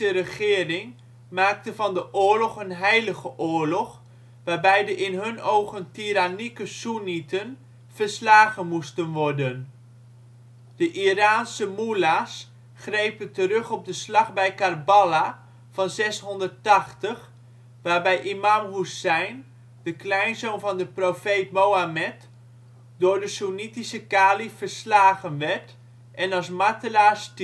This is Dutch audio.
regering maakte van de oorlog een heilige oorlog, waarbij de in hun ogen ' tirannieke ' soennieten verslagen moesten worden. De Iraanse moellahs grepen terug op de Slag bij Karbala van 680, waarbij Imam Hoessein, de kleinzoon van de profeet Mohammed, door de (soennitische) kalief verslagen werd en als martelaar